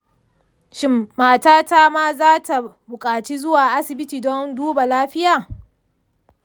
shin matata ma za ta bukaci zuwa asibiti don duba lafiya?